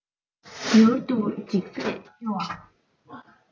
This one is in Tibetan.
མྱུར དུ འཇིག པས སྐྱོ བ